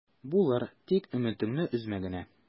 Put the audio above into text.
Булыр, тик өметеңне өзмә генә...